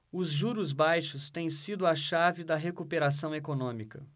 os juros baixos têm sido a chave da recuperação econômica